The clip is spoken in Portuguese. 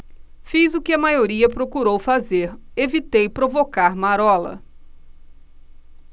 fiz o que a maioria procurou fazer evitei provocar marola